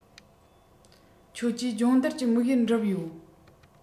ཁྱོད ཀྱིས སྦྱོང བརྡར གྱི དམིགས ཡུལ འགྲུབ ཡོད